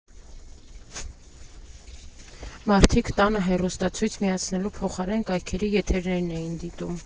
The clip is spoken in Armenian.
Մարդիկ տանը հեռուստացույց միացնելու փոխարեն կայքերի եթերներն էին դիտում։